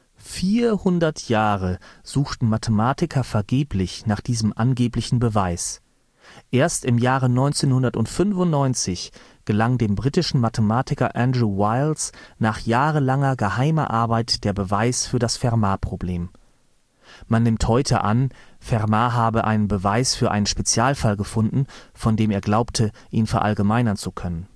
400 Jahre suchten Mathematiker vergeblich nach diesem angeblichen Beweis. Erst im Jahre 1995 gelang dem britischen Mathematiker Andrew Wiles nach jahrelanger geheimer Arbeit der Beweis für das Fermat-Problem (Fermats letzter Satz). Man nimmt heute an, Fermat habe einen Beweis für einen Spezialfall gefunden, von dem er glaubte, ihn verallgemeinern zu können